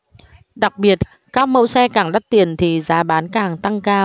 đặc biệt các mẫu xe càng đắt tiền thì giá bán càng tăng cao